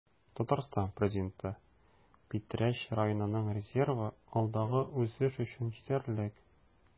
Татарстан Президенты: Питрәч районының резервы алдагы үсеш өчен җитәрлек